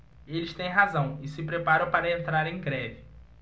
eles têm razão e se preparam para entrar em greve